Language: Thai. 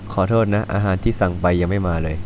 ขอโทษนะอาหารที่สั่งไปยังไม่มาเลย